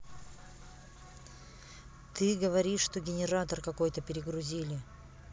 ты говоришь что генератор какой то перегрузили